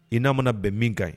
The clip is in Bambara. I n'a mana bɛn min ka ɲi